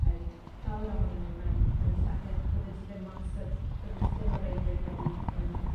yn llawer ohonyn nw mewn mewn llefydd byddet ti ddim wastad byddet ti ddim o reidrwydd wedi yym